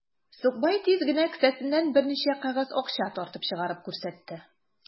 Сукбай тиз генә кесәсеннән берничә кәгазь акча тартып чыгарып күрсәтте.